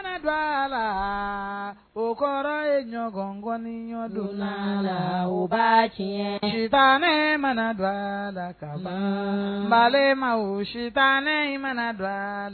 Mana dɔ u kɔrɔ ye ɲɔgɔn ŋɔni ɲɔdon la la u baa kɛ tan mana dilan la ka faama ba ma wo sitan in mana dilan